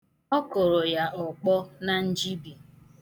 Ọ kụrụ ya ọkpọ na njibi.